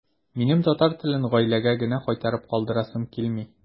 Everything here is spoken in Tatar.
Минем татар телен гаиләгә генә кайтарып калдырасым килми.